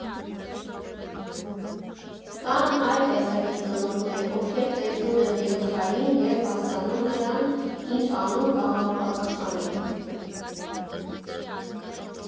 Կան այլ տեսակի ծնողներ, ովքեր տեսնում են երեխային, և հասկանում նրան ինչ անուն կհամապատասխանի։